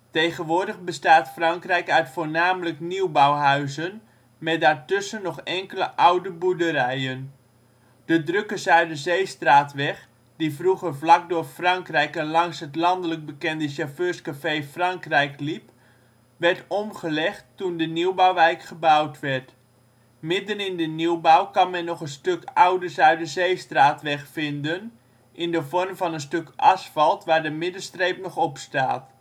Tegenwoordig bestaat Frankrijk uit voornamelijk nieuwbouwhuizen met daartussen nog enkele oude boerderijen. De drukke Zuiderzeestraatweg, die vroeger dwars door Frankrijk en langs het landelijk bekende chauffeurscafé " Frankrijk " liep, werd omgelegd toen de nieuwbouwwijk gebouwd werd. Midden in de nieuwbouw kan men nog een stuk oude Zuiderzeestraatweg vinden, in de vorm van een stuk asfalt, waar de middenstreep nog op staat